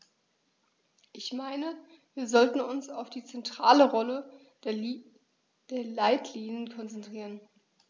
Ich meine, wir sollten uns auf die zentrale Rolle der Leitlinien konzentrieren.